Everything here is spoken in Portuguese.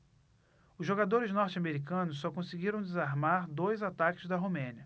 os jogadores norte-americanos só conseguiram desarmar dois ataques da romênia